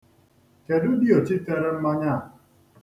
Kedụ diochi tere mmanya a?